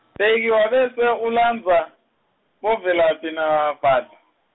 Bhelci Wabese ulandza boVelaphi naVadla.